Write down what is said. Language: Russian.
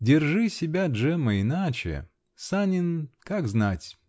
Держи себя Джемма иначе -- Санин. как знать?